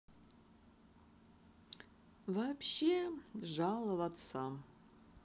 вообще жаловаться